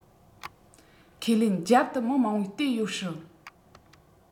ཁས ལེན རྒྱབ ཏུ མི མང བོས བལྟས ཡོད སྲིད